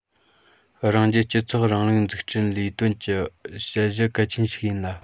རང རྒྱལ སྤྱི ཚོགས རིང ལུགས འཛུགས སྐྲུན ལས དོན གྱི དཔྱད གཞི གལ ཆེན ཞིག ཡིན ལ